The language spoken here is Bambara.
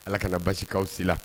Ala kana basikaw si